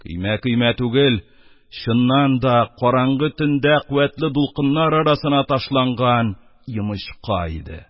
Көймә көймә түгел, чыннан да, караңгы төндә куәтле тулкыннар арасына ташланган йомычка иде.